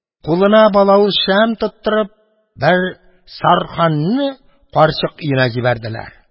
Кулына балавыз шәм тоттырып, бер сәрһаңне карчык өенә җибәрделәр.